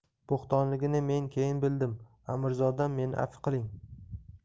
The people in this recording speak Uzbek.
bo'htonligini men keyin bildim amirzodam meni avf qiling